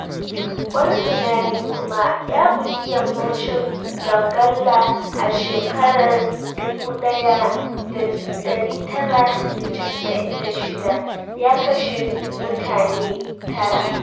Wani tsunami kuma ya bugi yammacin Donggala a shekarar 1996, ya kashe mutane tara.